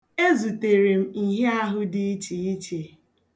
Ezutere m nhịahụ dị iche iche.